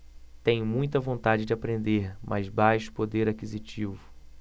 tenho muita vontade de aprender mas baixo poder aquisitivo